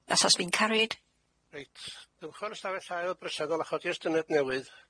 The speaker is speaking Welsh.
That has been carried. Riet dywch a'r ystafell bresennol a chodi estyniad newydd.